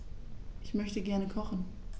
Ich möchte gerne kochen.